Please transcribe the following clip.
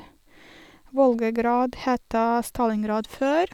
Volgograd het Stalingrad før.